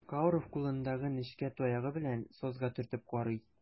Кауров кулындагы нечкә таягы белән сазга төртеп карый.